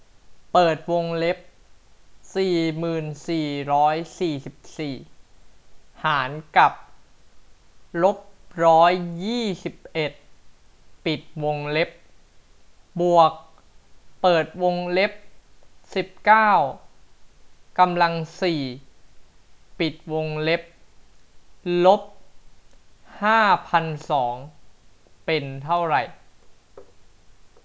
เปิดวงเล็บสี่หมื่นสีร้อยสี่สิบสี่หารกับลบร้อยยี่สิบเอ็ดปิดวงเล็บบวกเปิดวงเล็บสิบเก้ากำลังสี่ปิดวงเล็บลบห้าพันสองเป็นเท่าไหร่